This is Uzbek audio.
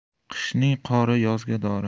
qishning qori yozga dori